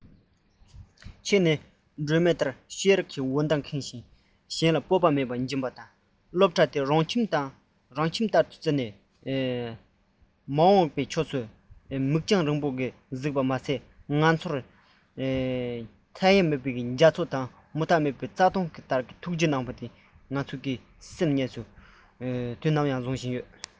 ཁྱེད ནི སྒྲོན མེ ལྟར ཤེས རིག གི འོད མདངས ཁེངས མེད གཞན ལ སྦྱིན པའི སྤོབས པ སློབ གྲྭ རང ཁྱིམ དུ བསམ ནས མ འོངས པའི ཕྱོགས སུ གཟིགས གཟིགས རྒྱང རིང པོ གནང བཞིན མཆིས ང ཚོས ཇི སྲིད བར མཐའ ཡས ཀྱི རྒྱ མཚོ མུ མེད ཀྱི རྩྭ ཐང ལྟ བུའི ཐུགས རྗེའི བཀའ དྲིན དེ མི བརྗེད སྟེང དབུས སུ བཅས རྒྱུ ལགས